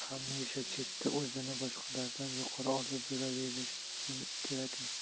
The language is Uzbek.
hamisha chetda o'zini boshqalardan yuqori olib yuraverish kerakmi